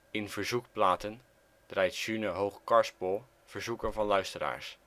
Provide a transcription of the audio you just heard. In Verzoekplaten draait June Hoogcarspel verzoeken van luisteraars